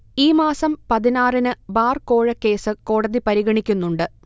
ഈ മാസം പതിനാറിന് ബാർ കോഴക്കേസ് കോടതി പരിഗണിക്കുന്നുണ്ട്